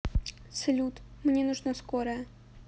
салют мне нужна скорая